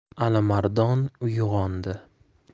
alimardon uyg'ondi